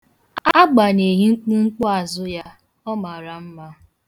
Agbanyeghị mkpumkpuazụ ahụ, ọ mara mma.